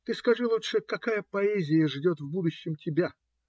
- Ты скажи лучше, какая поэзия ждет в будущем тебя?